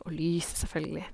Og lyset, selvfølgelig.